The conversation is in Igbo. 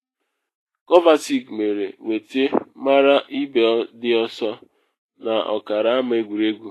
Kovacic mere wete mara ibe dị ọsọ n’ọkara ama egwuregwu.